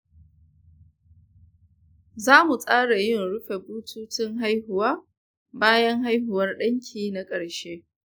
za mu tsara yin rufe bututun haihuwa bayan haihuwar ɗanki na ƙarshe.